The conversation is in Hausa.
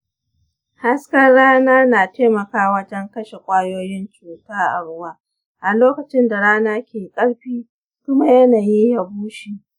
hasken rana na taimakawa wajen kashe ƙwayoyin cuta a ruwa a lokacin da rana ke ƙarfi kuma yanayi ya bushe.